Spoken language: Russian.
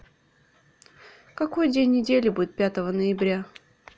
какой день недели будет пятого ноября